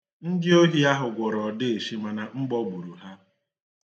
Ndi ohi ahụ gwọrọ ọdeeshi mana mgbọ gburu ha.